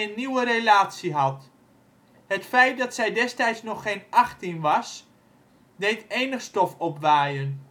nieuwe relatie had. Het feit dat zij destijds nog geen 18 was, deed enig stof opwaaien